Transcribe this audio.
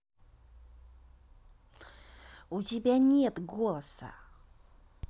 у тебя нет голоса